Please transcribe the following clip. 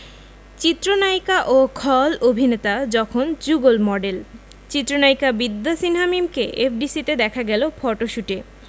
চিত্রনায়িকা ও খল অভিনেতা যখন যুগল মডেল চিত্রনায়িকা বিদ্যা সিনহা মিমকে এফডিসিতে দেখা গেল ফটোশুটে